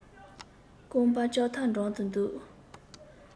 རྐང པ ལྕགས ཐབ འགྲམ དུ འདུག